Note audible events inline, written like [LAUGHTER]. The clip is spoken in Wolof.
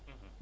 [HESITATION] [HESITATION]